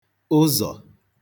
ụzọ̀